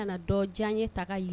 Dɔn diya ye ta ye